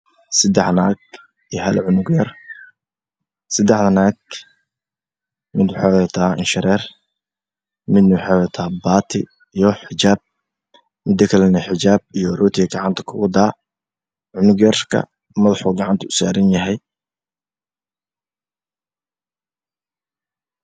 Meeshaan waxaa marayo islaan xijaabka ay wadatana waa gudid